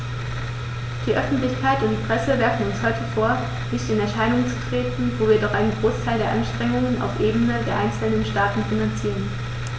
Die Öffentlichkeit und die Presse werfen uns heute vor, nicht in Erscheinung zu treten, wo wir doch einen Großteil der Anstrengungen auf Ebene der einzelnen Staaten finanzieren.